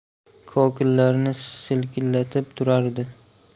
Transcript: kokillarini selkillatib turar edi